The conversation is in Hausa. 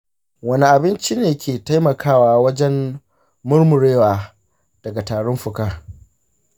wane abinci ne ke taimakawa wajen murmurewa daga tarin fuka?